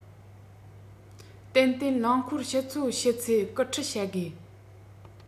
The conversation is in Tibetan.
ཏན ཏན རླངས འཁོར ཕྱིར ཚོང བྱེད ཚད སྐུལ ཁྲིད བྱ དགོས